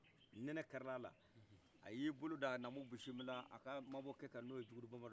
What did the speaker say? nɛnɛ karilala a yi bolo da namu bisimila a ka mabɔkɛ kan n'oye jugudu banbadɔ